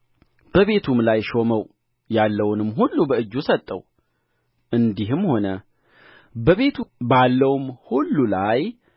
ያለውንም ሁሉ ለዮሴፍ አስረከበ ከሚበላውም እንጀራ በቀር ምንም የሚያውቀው አልነበረም የዮሴፍም ፊቱ መልከ መልካምና ውብ ነበረ